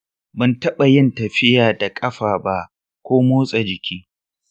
ban taɓa yin tafiya da ƙafa ba ko motsa-jiki.